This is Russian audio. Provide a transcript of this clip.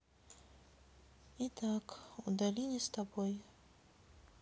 итак удали не с тобой